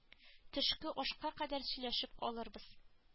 Төшке ашка кадәр сөйләшеп алырбыз